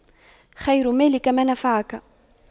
خير مالك ما نفعك